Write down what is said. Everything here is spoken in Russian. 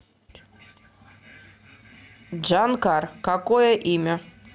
jhankar какое имя